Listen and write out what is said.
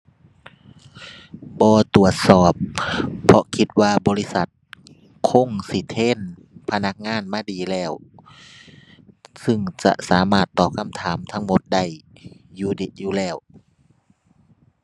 บ่ตรวจสอบ เพราะคิดว่าบริษัทคงสิเทรนพนักงานมาดีแล้ว ซึ่งจะสามารถตอบคำถามทั้งหมดได้ อยู่ดิ อยู่แล้ว